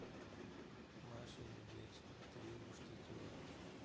маша и медведь три мушкетера